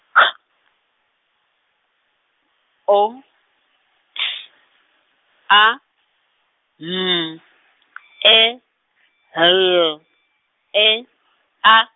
K, O, T, A, M, E, L, E, A.